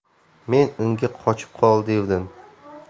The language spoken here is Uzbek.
men unga qochib qol devdim